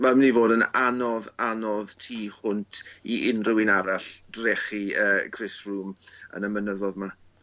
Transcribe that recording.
ma' myn' i fod yn anodd anodd tu hwnt i unryw un arall drechi yy Chris Froome yn y mynyddo'dd 'ma.